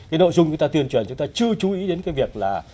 cái nội dung ghi ta thuyền trưởng chúng ta chưa chú ý đến cái việc là